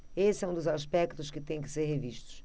esse é um dos aspectos que têm que ser revistos